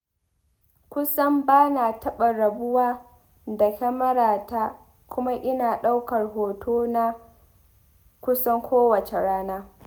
Kusan ba na taɓa rabuwa da kyamarata kuma ina ɗaukar hotuna kusan kowace rana.